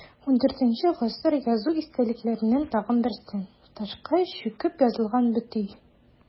ХIV гасыр язу истәлекләреннән тагын берсе – ташка чүкеп язылган бөти.